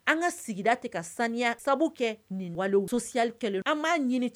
An ka sigida tɛ ka saniya sabu kɛ nin wale sosiyalikɛlaw an b'a ɲini cɛ